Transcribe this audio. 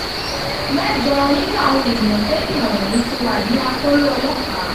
Mẹ́jọ nínú àwọn ènìyànkéènìà wọ̀nyí ti wà ní akóló ọlọ́pàá.